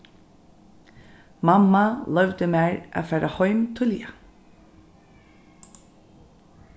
mamma loyvdi mær at fara heim tíðliga